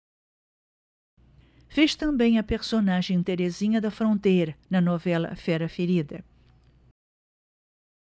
fez também a personagem terezinha da fronteira na novela fera ferida